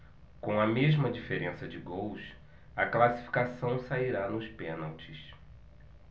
com a mesma diferença de gols a classificação sairá nos pênaltis